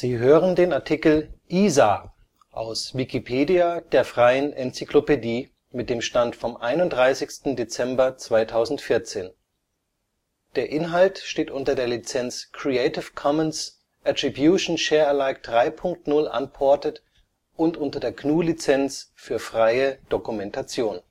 hören den Artikel Isar, aus Wikipedia, der freien Enzyklopädie. Mit dem Stand vom Der Inhalt steht unter der Lizenz Creative Commons Attribution Share Alike 3 Punkt 0 Unported und unter der GNU Lizenz für freie Dokumentation